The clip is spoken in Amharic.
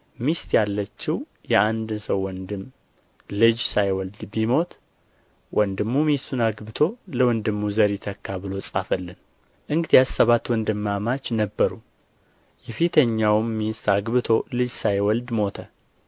ሚስት ያለችው የአንድ ሰው ወንድም ልጅ ሳይወልድ ቢሞት ወንድሙ ሚስቱን አግብቶ ለወንድሙ ዘር ይተካ ብሎ ጻፈልን እንግዲያስ ሰባት ወንድማማች ነበሩ የፊተኛውም ሚስት አግብቶ ልጅ ሳይወልድ ሞተ